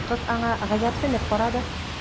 Кыз аңа гаҗәпсенеп карады.